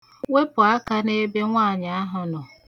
Wepu aka n'ebe nwaanyị nọ.